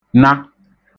-na